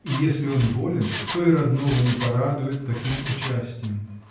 И если он болен, то и родного не порадуют таким участьем.